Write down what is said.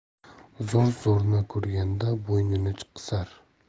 zo'r zo'rni ko'rganda bo'ynini qisar